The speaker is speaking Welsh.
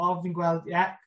...o fi'n gweld, ie...